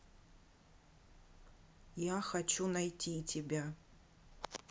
я хочу найти тебя